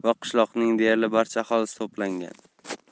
va qishloqning deyarli barcha aholisi to'plangan